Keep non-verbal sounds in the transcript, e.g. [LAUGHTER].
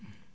[HESITATION] [HESITATION]